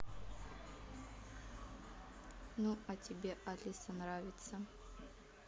ну а тебе алиса нравится